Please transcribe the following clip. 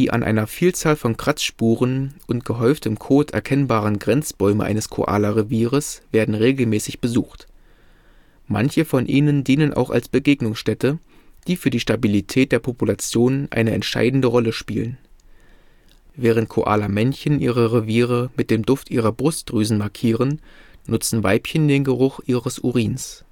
an einer Vielzahl von Kratzspuren und gehäuftem Kot erkennbaren Grenzbäume eines Koalareviers werden regelmäßig besucht. Manche von ihnen dienen auch als Begegnungsstätten, die für die Stabilität der Population eine entscheidende Rolle spielen. Während Koalamännchen ihre Reviere mit dem Duft ihrer Brustdrüsen markieren, nutzen Weibchen den Geruch ihres Urins